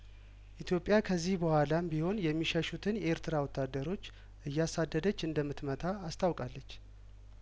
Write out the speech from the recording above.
ኢትዮጵያ ከዚህ በኋላም ቢሆን የሚሸሹትን የኤርትራ ወታደሮች እያሳደደች እንደምት መታ አስታውቃለች